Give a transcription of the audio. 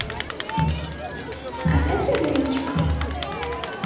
опять одиночка